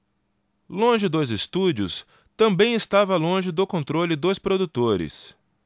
longe dos estúdios também estava longe do controle dos produtores